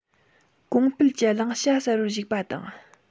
གོང སྤེལ གྱི བླང བྱ གསར པར གཞིགས པ དང